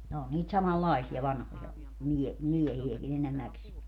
ne oli niitä samanlaisia vanhoja - miehiäkin enimmäkseen